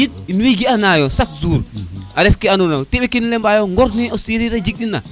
te yit in wey ga ana yo chaque jour a ref ke ando na ten kina mbi ayo ŋor ne o sereer a jeg na